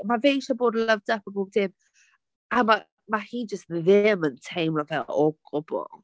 Mae fe eisiau bod loved up a bob dim a mae mae hi just ddim yn teimlo fe o gwbl.